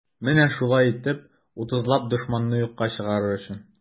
Менә шулай итеп, утызлап дошманны юкка чыгарыр өчен.